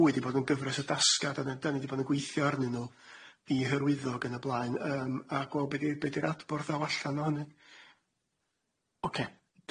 fwy di bod yn gyfres o dasgad a ne- dan ni di bod yn gweithio arnyn nw i hyrwyddog yn y blaen yym a gwel' be' di be' di'r adborth ddaw allan ohoni Ocê.